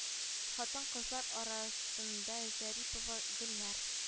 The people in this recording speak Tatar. Хатын-кызлар арасында зарипова гөлнар